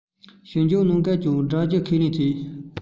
ཞིབ འཇུག གནང སྐབས ཀྱང བསྒྲུབ རྒྱུ ཁས ལེན བྱེད